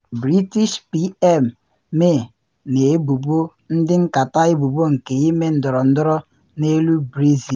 British PM May na ebubo ndị nkatọ ebubo nke ‘ịme ndọrọndọrọ’ n’elu Brexit